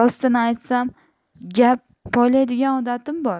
rostini aytsam gap poylaydigan odatim bor